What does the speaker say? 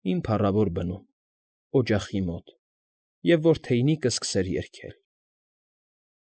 Իմ փառավոր բնում, օջախի մոտ, և որ թեյնիկն սկսեր երգել…»։